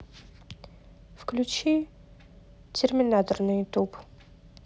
включи терминатор на ютуб